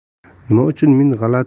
nima uchun men